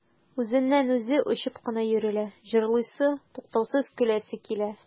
Үзеннән-үзе очып кына йөрелә, җырлыйсы, туктаусыз көләсе килә.